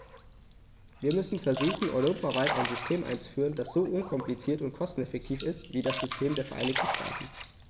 Wir müssen versuchen, europaweit ein System einzuführen, das so unkompliziert und kosteneffektiv ist wie das System der Vereinigten Staaten.